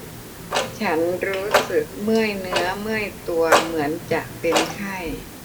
ฉันรู้สึกเมื่อยเนื้อเมื่อยตัวเหมือนจะเป็นไข้